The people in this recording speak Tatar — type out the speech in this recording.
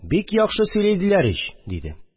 Бик яхшы сөйли диләр ич! – диде